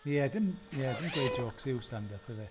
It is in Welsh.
Ie, dim- ie dim gweud jôcs yw stand-up ife.